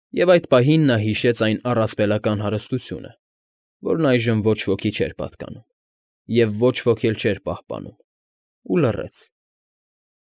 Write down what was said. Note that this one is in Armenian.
Եվ այդ պահին նա հիշեց այն առասպելական հարստությունը, որն այժմ ոչ ոքի չէր պատկանում և ոչ ոք էլ չէր պահպանում, ու լռեց։